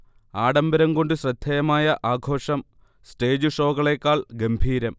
ആഢംബരംകൊണ്ടു ശ്രദ്ധേയമായ ആഘോഷം സ്റ്റേജ് ഷോകളേക്കാൾ ഗംഭീരം